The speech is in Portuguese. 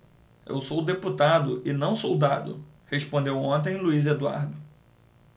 eu sou deputado e não soldado respondeu ontem luís eduardo